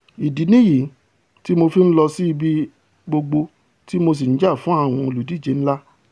Ìdí nìyí tí Mo fi ń lọsí ibi gbogbo tí Mo sì ńjà fún àwọn olùdíje ńlá.''